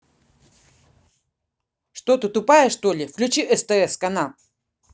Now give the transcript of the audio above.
что ты тупая что ли включи стс канал